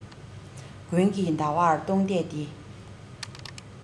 དགུང གི ཟླ བར གདོང གཏད དེ